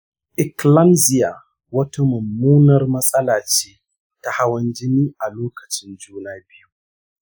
eclampsia wata mummunar matsala ce ta hawan jini a lokacin juna biyu.